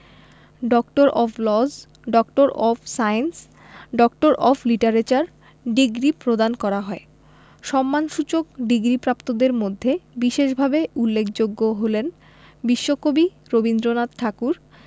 doctor of laws doctor of science doctor of literature degree প্রদান করা হয় সম্মানসূচক ডিগ্রিপ্রাপ্তদের মধ্যে বিশেষভাবে উল্লেখযোগ্য হলেন বিশ্বকবি রবীন্দ্রনাথ ঠাকুর